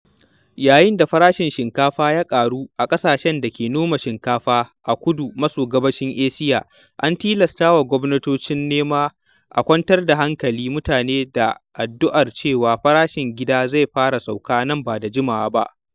Yayin da farashin shinkafa ya ƙaru a ƙasashen da ke noma shinkafa a kudu maso gabashin Asiya, an tilastawa gwamnatoci neman a kwantar da hankalin mutane da addu’ar cewa farashin ta gida zai fara sauƙa nan ba da jimawa ba.